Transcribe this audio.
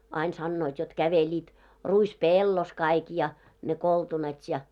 aina sanoivat jotta kävelivät ruispellossa kaikki ja ne koltunat ja